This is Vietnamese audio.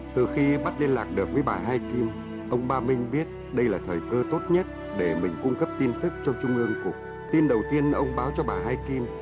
từ khi bắt liên lạc được với bà hai kim ông ba minh biết đây là thời cơ tốt nhất để mình cung cấp tin tức cho trung ương cục tin đầu tiên ông báo cho bà hai kim